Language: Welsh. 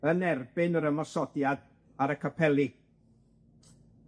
yn erbyn yr ymosodiad ar y capeli.